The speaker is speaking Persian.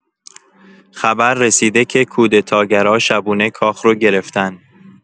خبر رسیده که کودتاگرا شبونه کاخ رو گرفتن.